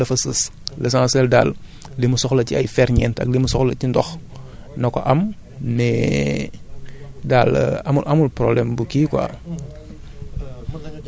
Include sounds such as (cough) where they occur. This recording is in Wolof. parce que ku amul la gën (hesitation) am la fa sës l' essentiel daal (breath) li mu soxla ci ay ferñent ak li mu soxla ci ndox na ko am mais (hesitation) daal amul amul problème bu kii quoi